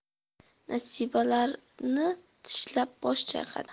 nasiba labini tishlab bosh chayqadi